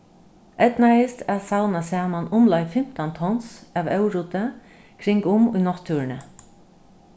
eydnaðist at savna saman umleið fimtan tons av óruddi kring um í náttúruni